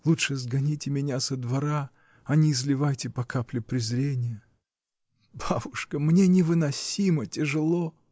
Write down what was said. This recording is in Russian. Лучше сгоните меня со двора, а не изливайте по капле презрение. Бабушка! мне невыносимо тяжело!